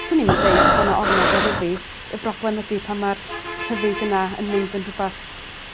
Swn i'm yn deud bo' 'na ormod o ryddid y broblem ydi pan ma'r rhyddid yna yn mynd yn rhwbath